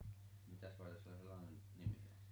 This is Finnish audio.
mitäs varten sillä sellainen nimi on